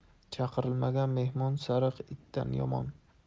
chaqirilmagan mehmon sariq itdan yomon